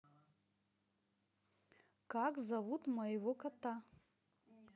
как зовут моего кота